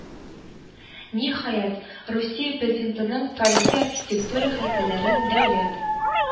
Ниһаять, Русия Президентының тарихи архитектура һәйкәлләрен дәүләт